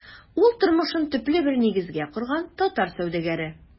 Үз тормышын төпле бер нигезгә корган татар сәүдәгәре.